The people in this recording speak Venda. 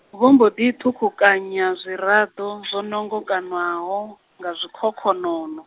vho mbo ḓi ṱhukukanya zwiraḓo, zwo nongokanywaho, nga zwikhokhonono.